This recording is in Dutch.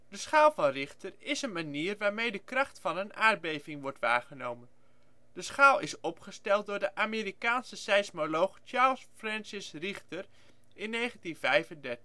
schaal van Richter is een manier waarmee de kracht van een aardbeving wordt waargenomen. De schaal is opgesteld door de Amerikaanse seismoloog Charles Francis Richter in 1935